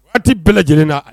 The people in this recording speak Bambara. Wagati bɛɛ lajɛlen na